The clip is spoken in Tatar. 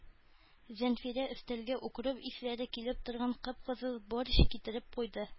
Зәнфирә өстәлгә укроп исләре килеп торган кып-кызыл борщ китереп куйды.